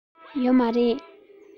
ཡོད མ རེད